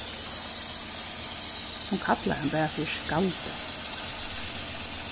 hon kallar hann bara fyri skaldið